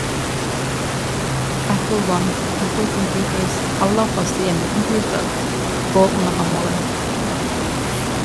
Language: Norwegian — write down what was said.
Apple 1, Apple Computers' aller første hjemmecomputer, går under hammeren.